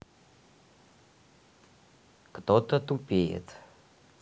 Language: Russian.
кто то тупеет